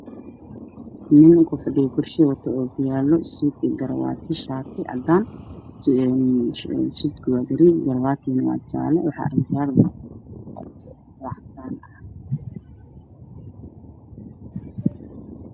Waa nin kufadhiyo kursi wato ookiyaalo, garabaati, suud, shaati cadaan ah. Suudka waa garee garabaatigu waa jaale, ookiyaalo cadaan ah.